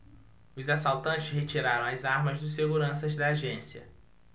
os assaltantes retiraram as armas dos seguranças da agência